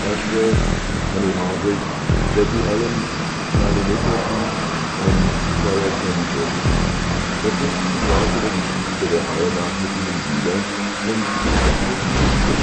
Ashworth, Penny Hardwick, Jackie Allen, Charlie Nicholson und Sarah Kendrew. Er trifft sich im Laufe der Geschichte der Reihe nach mit ihnen wieder und sie unterhalten sich über